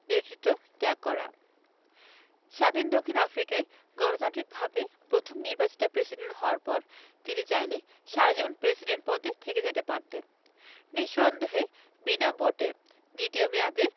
নেতৃত্ব ত্যাগ করা স্বাধীন দক্ষিণ আফ্রিকায় গণতান্ত্রিকভাবে প্রথম নির্বাচিত প্রেসিডেন্ট হওয়ার পর তিনি চাইলে সারা জীবন প্রেসিডেন্ট পদে থেকে যেতে পারতেন নিঃসন্দেহে বিনা ভোটে দ্বিতীয় মেয়াদে